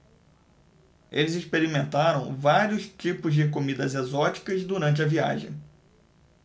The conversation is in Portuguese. eles experimentaram vários tipos de comidas exóticas durante a viagem